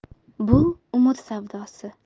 bu umr savdosi